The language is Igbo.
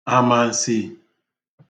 àmànsi